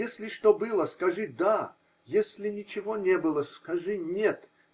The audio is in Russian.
Если что было, скажи да, если ничего не было, скажи нет.